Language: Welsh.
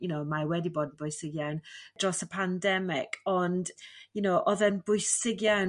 you know ma' wedi bod yn bwysig iawn dros y pandemeg ond you know o'dd e'n bwysig iawn